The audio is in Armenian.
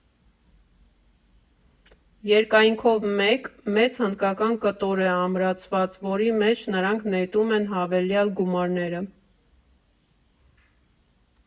Երկայնքով մեկ մեծ հնդկական կտոր է ամրացված, որի մեջ նրանք նետում են հավելյալ գումարները։